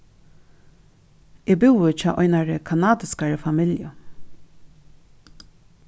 eg búði hjá einari kanadiskari familju